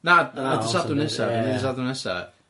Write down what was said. Na yy nid y Sadwrn nesa, nid y Sadwrn nesa.